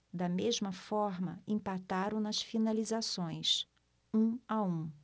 da mesma forma empataram nas finalizações um a um